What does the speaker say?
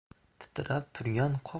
titrab turgan qop